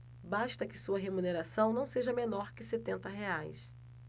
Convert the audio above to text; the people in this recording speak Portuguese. basta que sua remuneração não seja menor que setenta reais